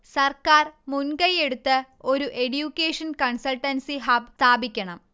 സർക്കാർ മുൻകൈയെടുത്ത് ഒരു എഡ്യൂക്കേഷൻ കൺസൾട്ടൻസി ഹബ് സ്ഥാപിക്കണം